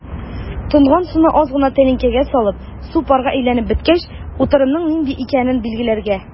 Тонган суны аз гына тәлинкәгә салып, су парга әйләнеп беткәч, утырымның нинди икәнен билгеләргә.